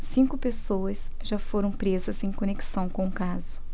cinco pessoas já foram presas em conexão com o caso